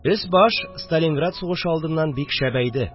Өс-баш Сталинград сугышы алдыннан бик шәбәйде